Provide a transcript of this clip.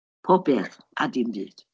Pob peth, a dim byd.